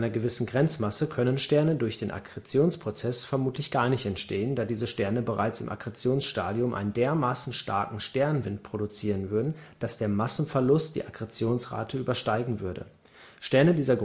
gewissen Grenzmasse können Sterne durch den Akkretionsprozess vermutlich gar nicht entstehen, da diese Sterne bereits im Akkretionsstadium einen dermaßen starken Sternwind produzieren würden, dass der Massenverlust die Akkretionsrate übersteigen würde. Sterne dieser